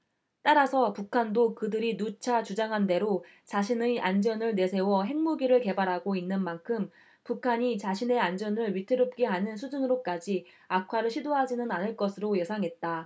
따라서 북한도 그들이 누차 주장한대로 자신의 안전을 내세워 핵무기를 개발하고 있는 만큼 북한이 자신의 안전을 위태롭게 하는 수준으로까지 악화를 시도하지는 않을 것으로 예상했다